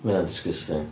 Mae hynna'n disgusting.